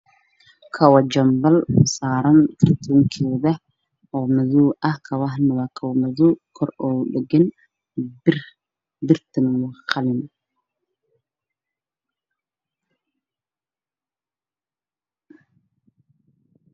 Waa kabo jambal oo saaran kartoonkeeda oo madow oo kor ogadhagan bir qalin ah.